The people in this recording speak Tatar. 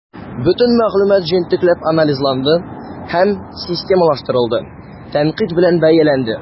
Бөтен мәгълүмат җентекләп анализланды һәм системалаштырылды, тәнкыйть белән бәяләнде.